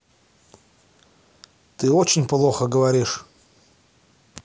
ты очень плохо говоришь